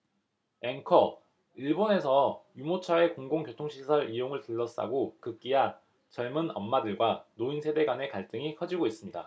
앵커 일본에서 유모차의 공공 교통시설 이용을 둘러싸고 급기야 젊은 엄마들과 노인 세대 간의 갈등이 커지고 있습니다